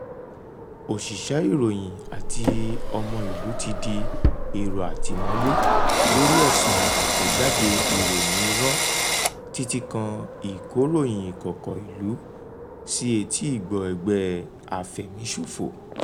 Òṣìṣẹ́ ìròyìn àti àwọn ọmọ-ìlú ti di èrò àtìmọ́lé lórí ẹ̀sùn àtẹ̀jáde “ìròyìn irọ́” títí kan ìkóròyìn ìkòkọ̀ ìlú sí etí ìgbọ́ ẹgbẹ́ afẹ̀míṣòfò.